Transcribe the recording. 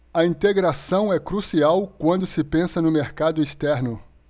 a integração é crucial quando se pensa no mercado externo